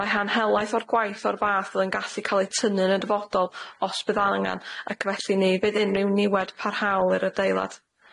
Mae han helaeth o'r gwaith o'r fath yn gallu ca'l ei tynnu'n y dyfodol os bydd angan ac felly ni bydd unrhyw niwed parhaol i'r adeilad.